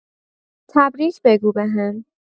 تبریک بگو بهم